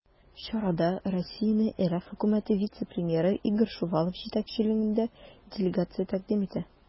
Чарада Россияне РФ Хөкүмәте вице-премьеры Игорь Шувалов җитәкчелегендәге делегация тәкъдим итә.